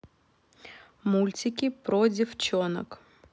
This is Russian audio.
мультики про девчонок